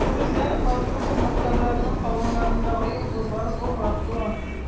Югыйсә, патруль хезмәткәрләренең погоннарындагы йолдызлар зуррак була.